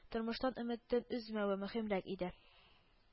Тормыштан өметен өзмәве мөһимрәк иде